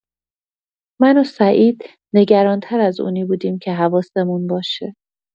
من و سعید نگران‌تر از اونی بودیم که حواسمون باشه.